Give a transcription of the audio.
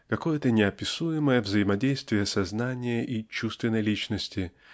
-- какое-то неописуемое взаимодействие сознания и чувственной личности